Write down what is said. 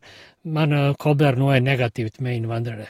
Man kobler noe negativt med innvandrere.